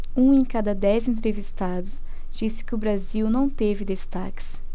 um em cada dez entrevistados disse que o brasil não teve destaques